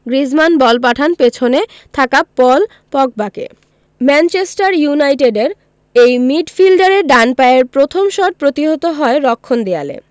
Griezmann ball পাঠান পেছনে থাকা পল পগবাকে ম্যানচেস্টার ইউনাইটেডের এই মিডফিল্ডারের ডান পায়ের প্রথম শট প্রতিহত হয় রক্ষণ দেয়ালে